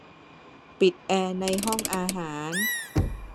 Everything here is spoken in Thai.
ปิดแอร์ในห้องอาหาร